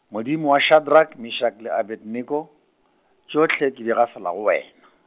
Modimo wa Shadrack, Meshack le Abednego, tšohle ke di gafela go wena.